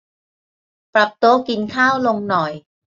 ปรับโต๊ะกินข้าวลงหน่อย